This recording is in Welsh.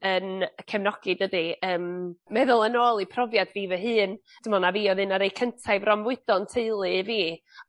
yn cefnogi dydi yym meddwl yn ôl i profiad fi fy hun t'mod na fi o'dd un o rei cynta i fronfwydo yn teulu i fi